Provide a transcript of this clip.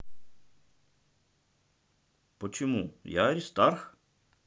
почему я аристарх